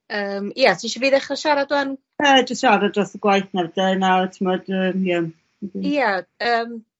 Yym ia, ti isie fi ddechra siarad rŵan? Yy jyst siarad dros y gwaith nawr 'te nawr t'mod yym ie. Wedyn... Ia yym